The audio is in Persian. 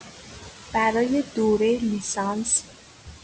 برای دوره لیسانس؟